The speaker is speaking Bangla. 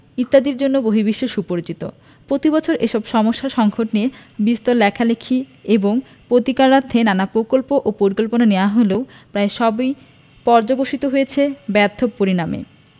ইত্যাদির জন্য বহির্বিশ্বে সুপরিচিত প্রতিবছর এসব সমস্যা সঙ্কট নিয়ে বিস্তর লেখালেখি এবং প্রতিকারার্থে নানা প্রকল্প ও পরিকল্পনা নেয়া হলেও প্রায় সবই পর্যবসিত হয়েছে ব্যর্থ পরিণামে